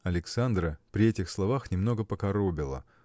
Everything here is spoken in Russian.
Александра при этих словах немного покоробило